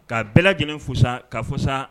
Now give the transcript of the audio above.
Ka bɛɛ lajɛlen fosa ka fosa